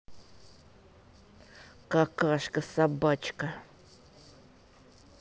какашка собачка